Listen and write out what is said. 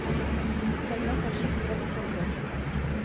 Сәлимә карчык торып утырды.